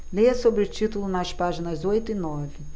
leia sobre o título nas páginas oito e nove